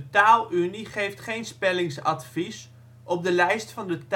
Taalunie geeft geen spellingsadvies, op de lijst van de